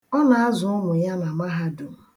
Ọ na-azụ ụmụ ya na mahadum.